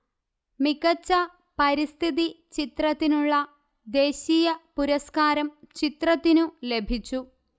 മികച്ച പരിസ്ഥിതി ചിത്രത്തിനുള്ള ദേശീയപുരസ്കാരം ചിത്രത്തിനു ലഭിച്ചു